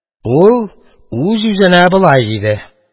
Ул үз-үзенә болай диде